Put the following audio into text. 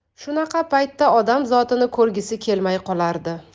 shunaqa paytda odam zotini ko'rgisi kelmay qolardi